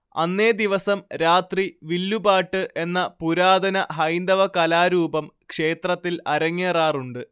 അന്നേദിവസം രാത്രി വില്ലുപാട്ട് എന്ന പുരാതന ഹൈന്ദവകലാരൂപം ക്ഷേത്രത്തിൽ അരങ്ങേറാറുണ്ട്